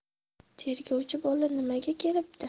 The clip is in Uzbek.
tergovchi bola nimaga kelibdi